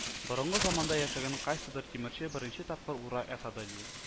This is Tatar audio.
Борынгы заманда яшәгән кайсыдыр тимерче беренче тапкыр урак ясады ди